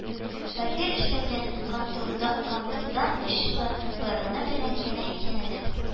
Таһир эшләгән кантурда очлы борыны белән гел исәнеп